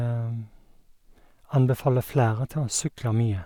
Anbefaler flere til å sykle mye.